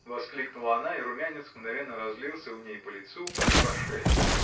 -- воскликнула она, и румянец мгновенно разлился у ней по лицу и по шее.